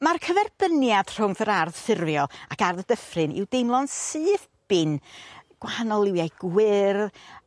Ma'r cyferbyniad rhwngth yr ardd ffurfiol ac ardd y Dyffryn i'w deimlo'n syth bin gwahanol lywiau gwyr'